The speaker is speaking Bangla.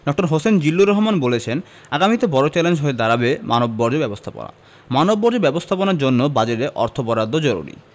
ড হোসেন জিল্লুর রহমান বলেছেন আগামীতে বড় চ্যালেঞ্জ হয়ে দাঁড়াবে মানববর্জ্য ব্যবস্থাপনা মানববর্জ্য ব্যবস্থাপনার জন্য বাজেটে অর্থ বরাদ্দ জরুরি